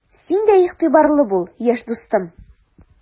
Син дә игътибарлы бул, яшь дустым!